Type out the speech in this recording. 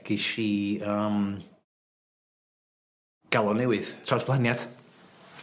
...gesh i yym galon newydd trawsblaniad.